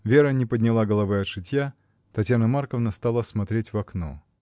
Вера не подняла головы от шитья, Татьяна Марковна стала смотреть в окно.